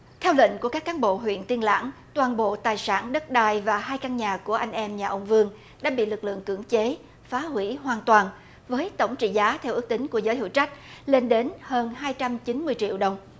theo lệnh của các cán bộ huyện tiên lãng toàn bộ tài sản đất đai và hai căn nhà của anh em nhà ông vươn đang bị lực lượng cưỡng chế phá hủy hoàn toàn mới tổng trị giá ước tính của giới hữu trách lên đến hơn hai trăm chín mươi triệu đồng